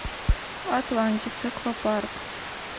atlantis аквапарк